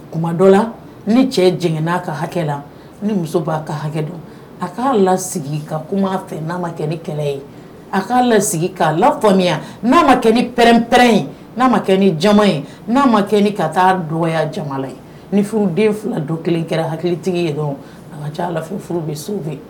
Kuma dɔ la ni cɛ j n'a ka hakɛ la ni muso b'a ka hakɛ dɔn a k'a lasigi ka kuma fɛ n'a ma kɛ ni kɛlɛ ye a k'a lasigi k'a la faamuyaya n'a ma kɛ ni pɛrɛn- pɛ ye n'a ma kɛ ni jama ye n'a ma kɛ ni ka taa dɔgɔya jamana ye ni furu den fila don kelen kɛra hakilitigi ye dɔn a lafife furu bɛ